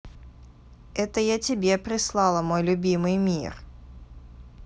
это я тебе прислала мой любимый мир